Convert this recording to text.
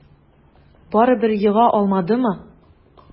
Барыбер ега алмадымы?